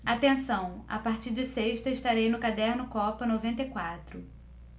atenção a partir de sexta estarei no caderno copa noventa e quatro